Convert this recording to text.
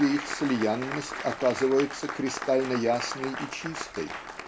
где их слиянность оказывается кристально ясной и чистой.